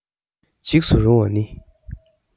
འཇིགས སུ རུང བ ནི